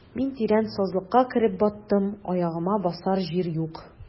Мин тирән сазлыкка кереп баттым, аягыма басар җир юк.